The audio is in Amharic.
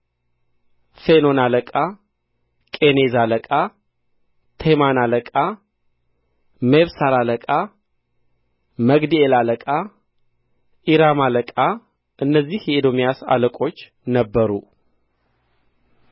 ፊኖን አለቃ ቄኔዝ አለቃ ቴማን አለቃ ሚብሳር አለቃ መግዲኤል አለቃ ዒራም አለቃ እነዚህ የኤዶምያስ አለቆች ነበሩ